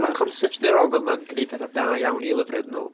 Ma' concepts diddorol fel 'na'n gwneud pethau da iawn i lyfrau dwi'n meddwl.